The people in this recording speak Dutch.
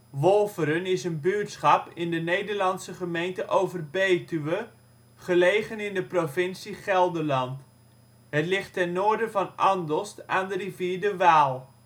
Wolferen is een buurtschap in de Nederlandse gemeente Overbetuwe, gelegen in de provincie Gelderland. Het ligt ten noorden van Andelst aan de rivier de Waal